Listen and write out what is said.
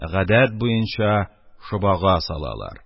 Гадәт буенча шобага салалар.